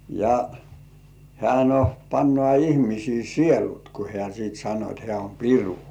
ja hän no panee ihmisten sielut kun hän sitten sanoi että hän on piru